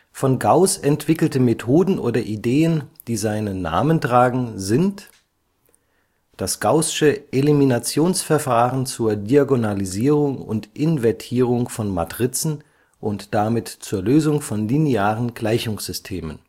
Von Gauß entwickelte Methoden oder Ideen, die seinen Namen tragen, sind: das gaußsche Eliminationsverfahren zur Diagonalisierung und Invertierung von Matrizen und damit zur Lösung von linearen Gleichungssystemen